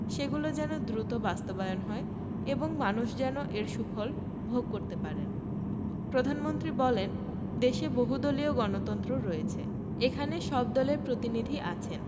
সেগুলো যেন দ্রুত বাস্তবায়ন হয় এবং মানুষ যেন এর সুফল ভোগ করতে পারেন প্রধানমন্ত্রী বলেন দেশে বহুদলীয় গণতন্ত্র রয়েছে এখানে সব দলের প্রতিনিধি আছেন